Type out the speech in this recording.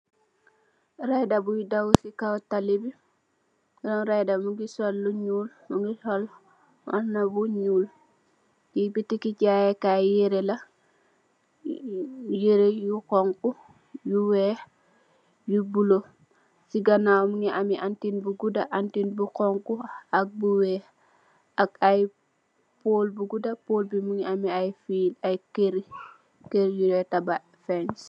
Rider buy daw si kaw tali bi, borom rider bi mungi sol lu ñuul, mungi sol mbahna bu ñuul, fii bitiki jaayee kaay yereh la, yereh yu xonxu, yu weeh, yu buleuh, si ganaaw mungi ameh antiin bu guda, antiin bu xonxu ak bu weeh, ak aye pool bu guda, pool bi mungi ameh aye kerr, kerr yu ñoy tabah.